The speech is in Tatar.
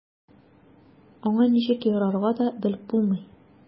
Аңа ничек ярарга да белеп булмый.